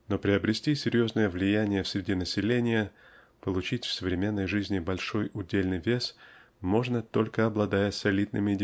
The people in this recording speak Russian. Но приобрести серьезное влияние среди населения получить в современной жизни большой удельный вес можно только обладая солидными